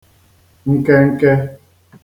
nkenke